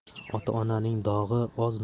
ota onaning dog'i oz